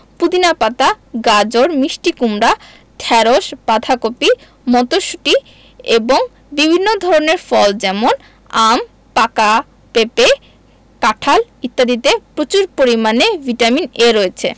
পুদিনা পাতা গাজর মিষ্টি কুমড়া ঢেঁড়স বাঁধাকপি মটরশুঁটি এবং বিভিন্ন ধরনের ফল যেমন আম পাকা পেঁপে কাঁঠাল ইত্যাদিতে প্রচুর পরিমানে ভিটামিন A রয়েছে